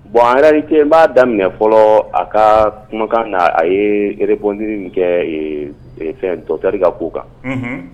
Bon en réalité an b'a daminɛ fɔlɔ a ka kumakan na, a ye rebondir min kɛ ɛ fɛn na docteur ka ko kan, unhun.